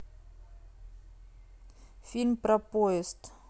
фильм про поезд